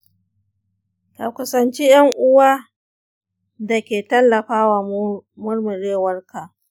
ka kusanci ‘yan uwa da ke tallafa wa murmurewarka.